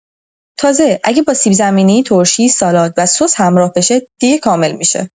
تازه اگه با سیب‌زمینی، ترشی، سالاد و سس همراه بشه، دیگه کامل می‌شه.